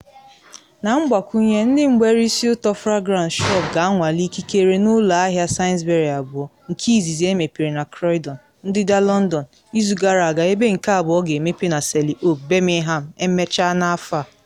Na mgbakwunye, ndị mgbere isi ụtọ Fragrance Shop ga-anwale ikikere n’ụlọ ahịa Sainsbury abụọ, nke izizi emepere na Croydon, ndịda London, izu gara aga ebe nke abụọ ga-emepe na Selly Oak, Birmingham, emechaa n’afọ a.